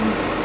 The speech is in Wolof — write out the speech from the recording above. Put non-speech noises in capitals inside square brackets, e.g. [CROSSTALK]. [HESITATION] [HESITATION] [NOISE]